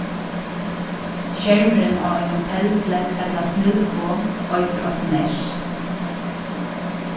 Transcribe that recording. skermurin á einum teldli ella snildfon eitur eitt nert